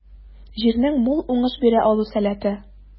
Җирнең мул уңыш бирә алу сәләте.